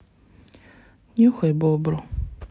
нюхай бобру